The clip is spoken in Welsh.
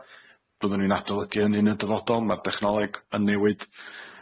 Byddwn ni'n adolygu hynny yn y dyfodol ma'r dechnoleg yn newid.